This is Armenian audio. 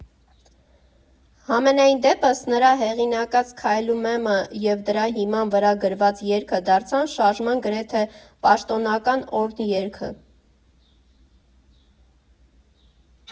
Համենայն դեպս՝ նրա հեղինակած «Քայլում եմ»֊ը և դրա հիման վրա գրված երգը դարձան շարժման գրեթե պաշտոնական օրհներգը։